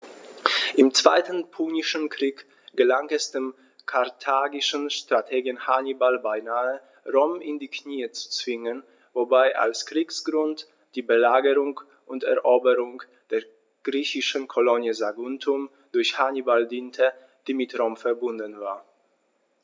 Im Zweiten Punischen Krieg gelang es dem karthagischen Strategen Hannibal beinahe, Rom in die Knie zu zwingen, wobei als Kriegsgrund die Belagerung und Eroberung der griechischen Kolonie Saguntum durch Hannibal diente, die mit Rom „verbündet“ war.